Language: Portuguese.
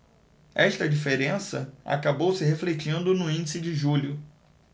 esta diferença acabou se refletindo no índice de julho